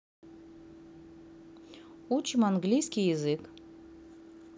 учим английский язык